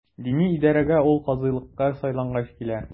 Дини идарәгә ул казыйлыкка сайлангач килә.